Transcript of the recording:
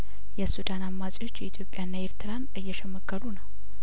የሱዳን አማጺዎች ኢትዮጵያንና ኤርትራን እየሸ መገሉ ነው